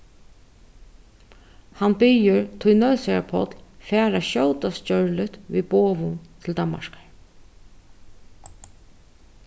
hann biður tí nólsoyar páll fara skjótast gjørligt við boðum til danmarkar